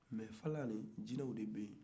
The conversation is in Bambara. mai o tu kɔnɔ jinɛw de tun be yen